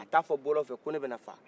a t'a fɔ bɔlɔn fɛ ko ne bɛ na faa